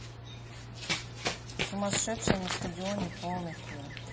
сумасшедшие на стадионе полный фильм